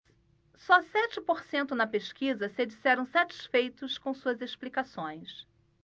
só sete por cento na pesquisa se disseram satisfeitos com suas explicações